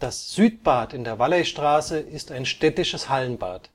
Das Südbad in der Valleystraße ist ein städtisches Hallenbad.